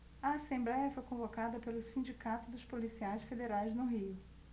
a assembléia foi convocada pelo sindicato dos policiais federais no rio